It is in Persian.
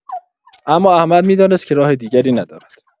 اما احمد می‌دانست که راه دیگری ندارد.